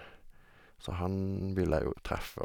Så han ville jeg jo treffe.